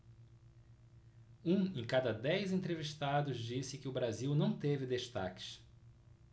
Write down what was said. um em cada dez entrevistados disse que o brasil não teve destaques